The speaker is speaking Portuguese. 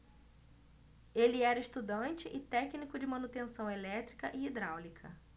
ele era estudante e técnico de manutenção elétrica e hidráulica